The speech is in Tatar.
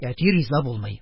Әти риза булмый: